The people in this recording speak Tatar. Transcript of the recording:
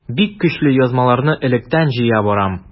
Бик көчле язмаларны электән җыя барам.